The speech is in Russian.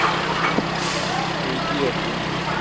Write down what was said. уйди от меня